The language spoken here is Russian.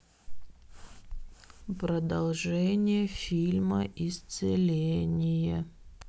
продолжение фильма исцеление